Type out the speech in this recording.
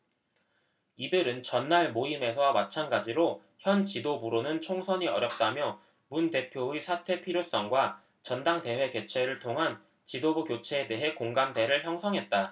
이들은 전날 모임에서와 마찬가지로 현 지도부로는 총선이 어렵다며 문 대표의 사퇴 필요성과 전당대회 개최를 통한 지도부 교체에 대해 공감대를 형성했다